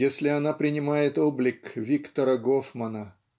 если она принимает облик Виктора Гофмана